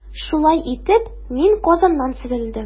Шулай итеп, мин Казаннан сөрелдем.